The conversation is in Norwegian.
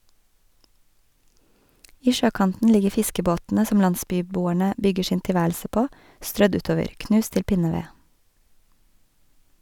I sjøkanten ligger fiskebåtene som landsbyboerne bygger sin tilværelse på, strødd utover, knust til pinneved.